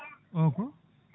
o ko